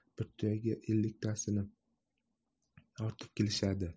bir tuyaga elliktasini ortib kelishadi